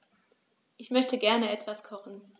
Ich möchte gerne etwas kochen.